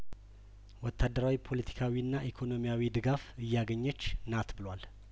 ወታደራዊ ፖለቲካዊና ኢኮኖሚያዊ ድጋፍ እያገኘች ናት ብሏል